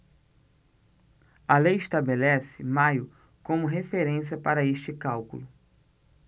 a lei estabelece maio como referência para este cálculo